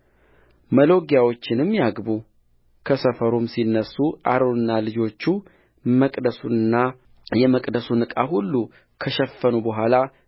መሎጊያዎቹንም ያግቡከሰፈሩም ሲነሡ አሮንና ልጆቹ መቅደሱንና የመቅደሱን ዕቃ ሁሉ ከሸፈኑ በኋላ